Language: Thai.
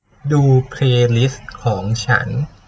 ดูเพลลิสท์ของฉัน